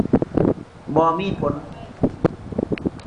บ่มีผล